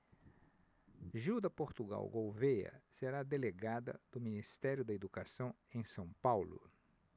gilda portugal gouvêa será delegada do ministério da educação em são paulo